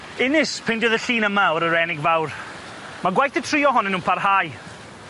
Innis peintiodd y llun yma o'r Arennig Fawr. Ma' gwaith y tri ohonyn nw'n parhau.